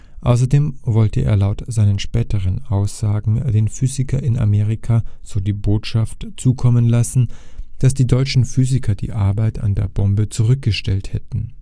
Außerdem wollte er, laut seinen späteren Aussagen, den Physikern in Amerika so die Botschaft zukommen lassen, dass die deutschen Physiker die Arbeit an der Bombe zurückgestellt hätten